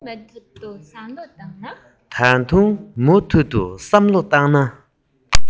ད དུང མུ མཐུད དུ བསམ བློ བཏང ན